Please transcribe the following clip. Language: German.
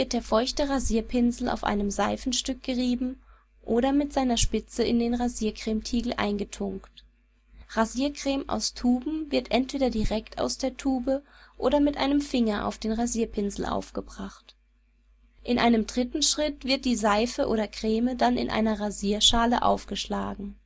der feuchte Rasierpinsel auf einem Seifenstück gerieben, oder mit seiner Spitze in den Rasiercremetiegel eingetunkt. Rasiercreme aus Tuben wird entweder direkt aus der Tube oder mit einem Finger auf den Rasierpinsel aufgebracht. In einem dritten Schritt wird die Seife oder Creme dann in einer Rasierschale aufgeschlagen